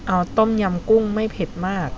เอาต้มยำกุ้งไม่เผ็ดมาก